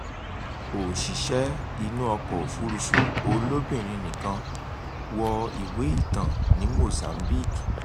Òṣìṣẹ́ inú ọkọ̀ òfuurufú olóbìnrin nìkan wọ ìwé ìtàn ní Mozambique